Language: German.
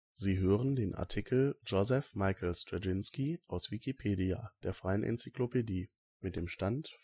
Sie hören den Artikel J. Michael Straczynski, aus Wikipedia, der freien Enzyklopädie. Mit dem Stand